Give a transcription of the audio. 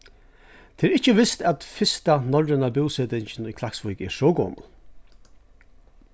tað er ikki vist at fyrsta norrøna búsetingin í klaksvík er so gomul